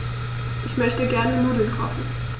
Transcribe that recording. Ich möchte gerne Nudeln kochen.